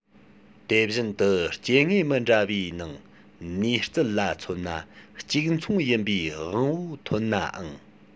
དེ བཞིན དུ སྐྱེ དངོས མི འདྲ བའི ནང ནུས རྩལ ལ མཚོན ན གཅིག མཚུངས ཡིན པའི དབང པོ ཐོན ནའང